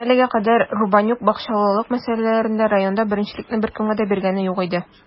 Әлегә кадәр Рубанюк бакчачылык мәсьәләләрендә районда беренчелекне беркемгә дә биргәне юк иде.